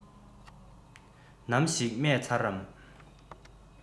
ནམ ཞིག རྨས ཚར རམ